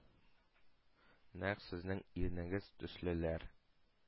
Нәкъ сезнең ирнегез төслеләр.